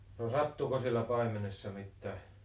no sattuiko siellä paimenessa mitään